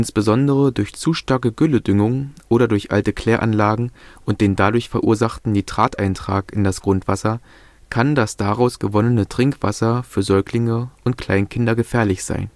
Insbesondere durch zu starke Gülledüngung oder durch alte Kläranlagen und den dadurch verursachten Nitrateintrag in das Grundwasser kann das daraus gewonnene Trinkwasser für Säuglinge und Kleinkinder gefährlich sein